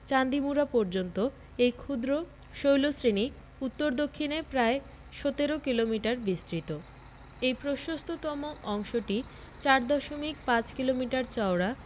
চান্দিমুরা পর্যন্ত এই ক্ষুদ্র শৈলশ্রেণি উত্তর দক্ষিণে প্রায় ১৭ কিলোমিটার বিস্তৃত এর প্রশস্ততম অংশটি ৪ দশমিক ৫ কিলোমিটার চওড়া